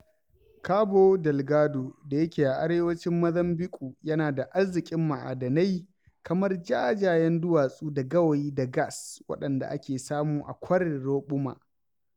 Cabo Delgado da yake a arewacin Mozambiƙue, yana da arziƙin ma'adanai kamar jajayen duwatsu da gawayi da gas, waɗanda ake samu a kwarin Roɓuma.